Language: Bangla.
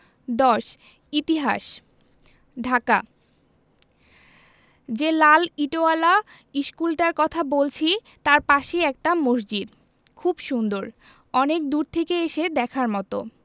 ১০ ইতিহাস ঢাকা যে লাল ইটোয়ালা ইশকুলটার কথা বলছি তাই পাশেই একটা মসজিদ খুব সুন্দর অনেক দূর থেকে এসে দেখার মতো